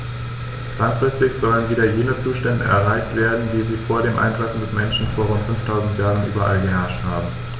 Langfristig sollen wieder jene Zustände erreicht werden, wie sie vor dem Eintreffen des Menschen vor rund 5000 Jahren überall geherrscht haben.